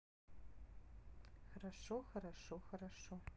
хорошо хорошо хорошо